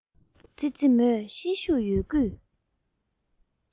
ཙི ཙི མོས ཤེད ཤུགས ཡོད རྒུས